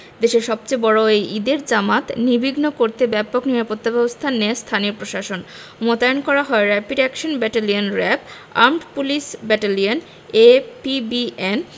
দেশের সবচেয়ে বড় এই ঈদের জামাত নির্বিঘ্ন করতে ব্যাপক নিরাপত্তাব্যবস্থা নেয় স্থানীয় প্রশাসন মোতায়েন করা হয় rapid action battalion RAB armed police battalion APBN